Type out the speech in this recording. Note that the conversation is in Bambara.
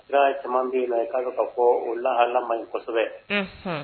Ye caman bɛ na ye' ka fɔ o lahalama ɲi kosɛbɛ